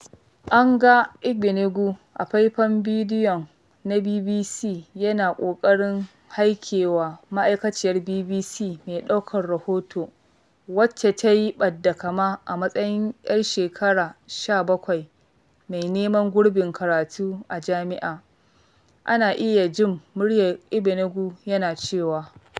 An ga Igbeneghu a faifan bidiyon na BBC yana ƙoƙarin haikewa ma'aikaciyar BBC mai ɗaukan rahoto wacce ta yi ɓadda kama a matsayin 'yar shekara 17 mai neman gurbin karatu a jami'a. Ana iya jin muryar Igbeneghu yana cewa: